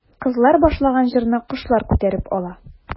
Кызлар башлаган җырны кошлар күтәреп ала.